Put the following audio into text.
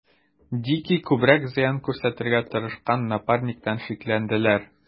Дикий күбрәк зыян күрсәтергә тырышкан Напарниктан шикләнделәр.